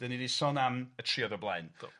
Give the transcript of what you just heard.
'Dan ni 'di sôn am y trioedd o blaen. Do.